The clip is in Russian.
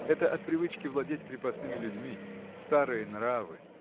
Это от привычки владеть крепостными людьми. Старые нравы!